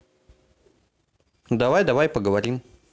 давай давай поговорим